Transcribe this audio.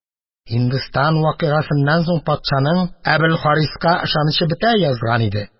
Һиндстан вакыйгасыннан соң патшаның Әбелхариска ышанычы бетә язган иде.